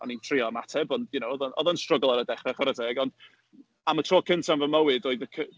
A o'n i'n trio ymateb, ond you know, oedd o oedd o'n strygl ar y dechre, chware teg. Ond am y tro cynta yn fy mywyd, doedd y cy-...